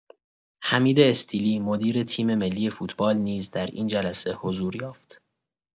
حمید استیلی مدیر تیم‌ملی فوتبال نیز در این جلسه حضور یافت.